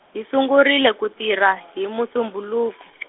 hi sungurile ku tirha hi Musumbhuluku.